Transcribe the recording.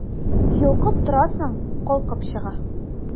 Йолкып торасың, калкып чыга...